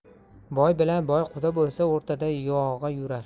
boy bilan boy quda bo'lsa o'rtada yo'ig'a yurar